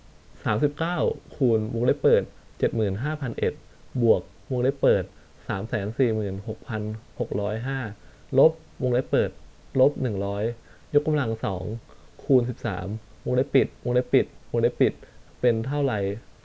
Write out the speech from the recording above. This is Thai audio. สามสิบเก้าคูณวงเล็บเปิดเจ็ดหมื่นห้าพันเอ็ดบวกวงเล็บเปิดสามแสนสี่หมื่นหกพันหกร้อยห้าลบวงเล็บเปิดลบหนึ่งร้อยยกกำลังสองคูณสิบสามวงเล็บปิดวงเล็บปิดวงเล็บปิดเป็นเท่าไร